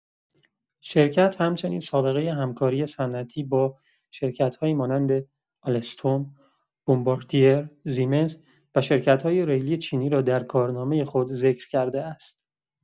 شرکت همچنین سابقه همکاری صنعتی با شرکت‌هایی مانند آلستوم، بمباردیر، زیمنس و شرکت‌های ریلی چینی را در کارنامه خود ذکر کرده است.